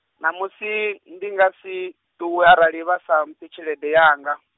ṋamusi, ndi nga si, ṱuwe arali vhasa mphi tshelede yanga.